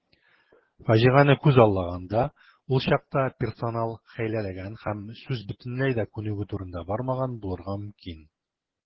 Фаҗигане күзаллаганда, ул чакта персонал хәйләләгән һәм сүз бөтенләй дә күнегү турында бармаган булырга мөмкин.